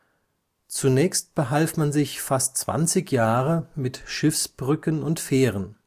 Zunächst behalf man sich fast zwanzig Jahre mit Schiffsbrücken und Fähren